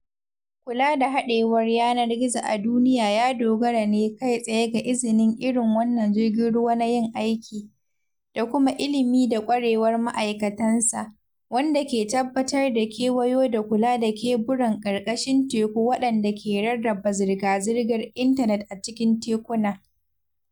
Kula da haɗewar yanar gizo a duniya ya dogara ne kai tsaye ga izinin irin wannan jirgin ruwa na yin aiki, da kuma ilimi da ƙwarewar ma’aikatansa, wanda ke tabbatar da kewayo da kula da keburan ƙarƙashin teku waɗanda ke rarraba zirga-zirgar intanet a cikin tekuna.